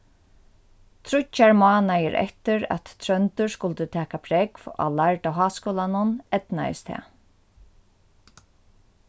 tríggjar mánaðir eftir at tróndur skuldi taka prógv á lærda háskúlanum eydnaðist tað